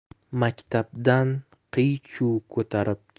maktabdan qiy chuv ko'tarib